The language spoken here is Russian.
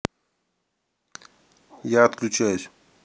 я отключаюсь